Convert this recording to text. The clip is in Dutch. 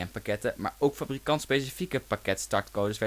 pakketten maar ook fabrikant-specifieke pakket start-codes